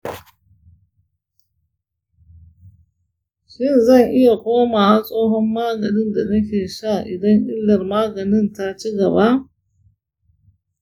shin zan iya komawa tsohon maganin da nake sha idan illar maganin ta ci gaba?